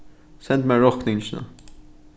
send mær rokningina